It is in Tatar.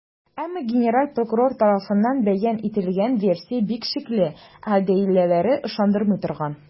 Әмма генераль прокурор тарафыннан бәян ителгән версия бик шикле, ә дәлилләре - ышандырмый торган.